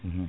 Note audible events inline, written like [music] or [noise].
[hesitation] [hesitation]